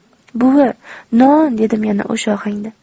buvi non dedim yana o'sha ohangda